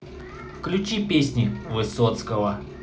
включи песни высоцкого